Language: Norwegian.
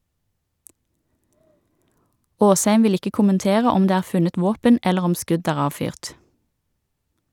Aasheim vil ikke kommentere om det er funnet våpen eller om skudd er avfyrt.